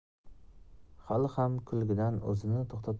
hali ham kulgidan o'zini to'xtata